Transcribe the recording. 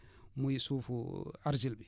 muy suufu argile bi